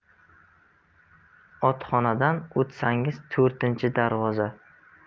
otxonadan o'tsangiz to'rtinchi darvoza